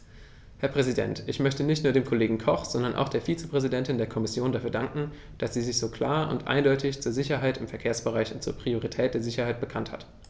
Herr Präsident, ich möchte nicht nur dem Kollegen Koch, sondern auch der Vizepräsidentin der Kommission dafür danken, dass sie sich so klar und eindeutig zur Sicherheit im Verkehrsbereich und zur Priorität der Sicherheit bekannt hat.